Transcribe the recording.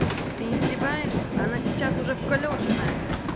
ты издеваешься она сейчас уже включена